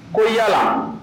Ko yala